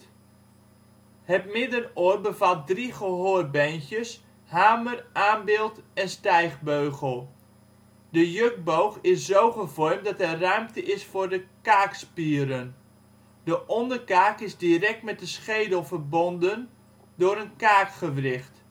Het middenoor bevat drie gehoorbeentjes: hamer, aambeeld en stijgbeugel. De jukboog is zo gevormd dat er ruimte is voor de kaakspieren. De onderkaak is direct met de schedel verbonden door een kaakgewricht